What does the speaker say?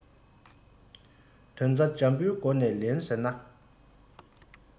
དོན རྩ འཇམ པོའི སྒོ ནས ལོན ཟེར ན